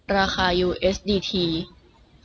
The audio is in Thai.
ราคายูเอสดีที